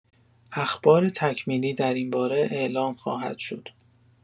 اخبار تکمیلی در این باره اعلام خواهد شد.